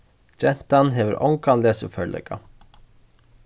gentan hevur ongan lesiførleika